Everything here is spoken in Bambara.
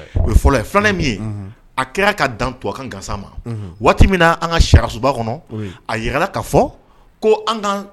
Waati ka a ka fɔ ko